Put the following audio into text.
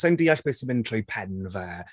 Sa i'n deall beth sy'n mynd drwy pen fe.